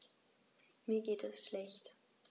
Mir geht es schlecht.